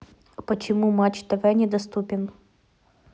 а почему матч тв недоступен